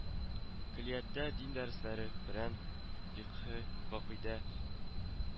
Көллияттә дин дәресләре Коръән, фикъһе, гакыйдә